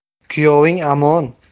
kuyoving amon